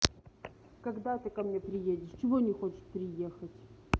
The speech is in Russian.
когда ты ко мне приедешь чего не хочешь приехать